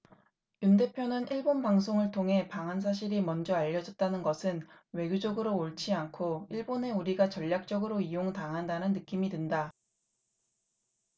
윤 대표는 일본 방송을 통해 방한 사실이 먼저 알려졌다는 것은 외교적으로 옳지 않고 일본에 우리가 전략적으로 이용당한다는 느낌이 든다